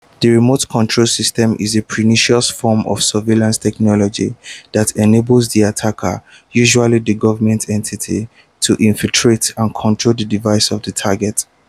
The Remote Control System is a pernicious form of surveillance technology that enables the attacker, usually a government entity, to infiltrate and control the device of the target.